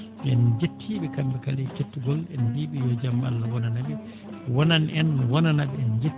en njettii ɓe kamɓe kala e kettagol en mbiyii ɓe yo jam Allah wonanaɓe wonan en wonanaɓe